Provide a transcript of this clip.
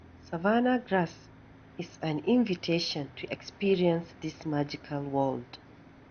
Savannah Grass is an invitation to experience this magical world.